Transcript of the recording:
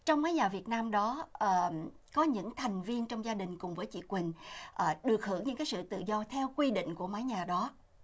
trong mái nhà việt nam đó ờ có những thành viên trong gia đình cùng với chị quỳnh ờ được hưởng sự tự do theo quy định của mái nhà đó